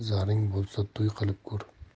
zaring bo'lsa to'y qilib ko'r